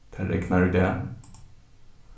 tað regnar í dag